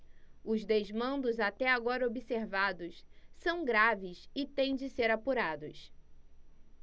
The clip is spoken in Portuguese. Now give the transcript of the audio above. os desmandos até agora observados são graves e têm de ser apurados